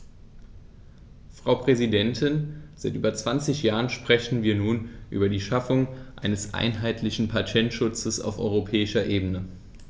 Frau Präsidentin, seit über 20 Jahren sprechen wir nun über die Schaffung eines einheitlichen Patentschutzes auf europäischer Ebene.